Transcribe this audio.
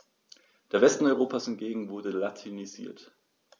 Der Westen Europas hingegen wurde latinisiert.